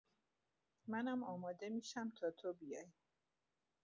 منم آماده می‌شم تا تو بیای.